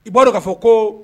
I ba dɔn ka fɔ ko